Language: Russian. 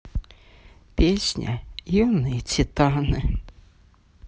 песня юные титаны